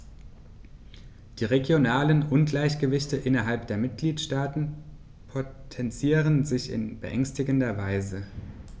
Die regionalen Ungleichgewichte innerhalb der Mitgliedstaaten potenzieren sich in beängstigender Weise.